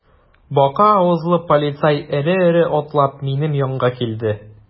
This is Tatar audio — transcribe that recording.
Бака авызлы полицай эре-эре атлап минем янга килде.